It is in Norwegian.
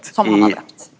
som han har drepen.